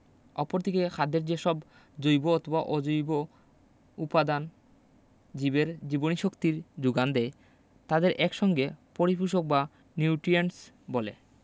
অপরদিকে খাদ্যের যেসব জৈব অথবা অজৈব উপাদান জীবের জীবনীশক্তির যুগান দেয় তাদের এক সঙ্গে পরিপোষক বা নিউটিয়েন্টস বলে